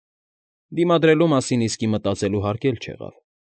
Դիմադրելու մաիսն իսկի մտածելու հարկ էլ չեղավ։